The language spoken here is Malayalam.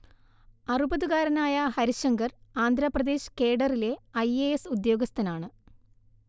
അറുപതുകാരനായ ഹരിശങ്കർ ആന്ധ്രപ്രദേശ് കേഡറിലെ ഐ എ എസ് ഉദ്യോഗസ്ഥനാണ്